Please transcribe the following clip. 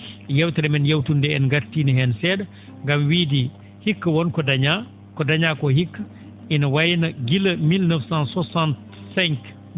yewtere men yawtunde en ngartiino heen see?a ngam wiide hikka won ko dañaa ko dañaako hikka ina wayi no gila mille neuf cent soixante cinq